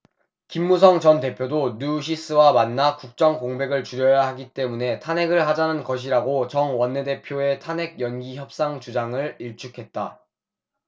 김무성 전 대표도 뉴시스와 만나 국정 공백을 줄여야 하기 때문에 탄핵을 하자는 것이라고 정 원내대표의 탄핵 연기협상 주장을 일축했다